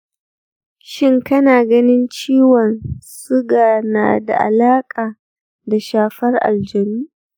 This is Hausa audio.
shin kana ganin ciwon suga na da alaka da shafar aljanu?